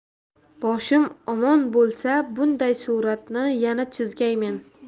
boshim omon bo'lsa bunday suratni yana chizgaymen